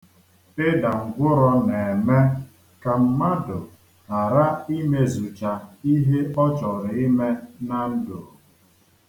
Ịda ngwụrọ na-eme ka mmadụ ghara imezucha ihe ọ chọrọ ịme na ndụ.